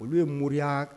Olu ye mya